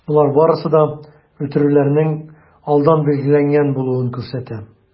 Болар барысы да үтерүләрнең алдан билгеләнгән булуын күрсәтә.